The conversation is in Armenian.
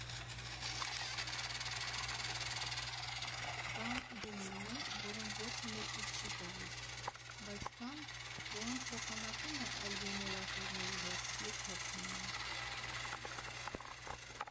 Կան վինիլներ, որոնք ոչ մեկի չի տալիս, բայց կան, որոնք փոխանակում է այլ վինիլասերների հետ, երբ հոգնում է։